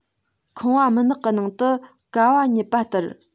ཁང པ མུན ནག གི ནང དུ ཀ བ ཉབ པ ལྟར